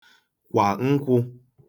kwà nkwụ̄